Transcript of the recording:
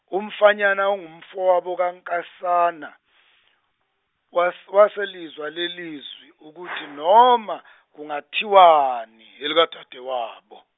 umfanyana ongumfowabo kaNkasana, was- waselizwa lelizwi ukuthi noma kungathiwani elikadadewabo.